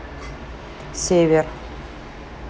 север